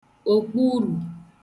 òkpurù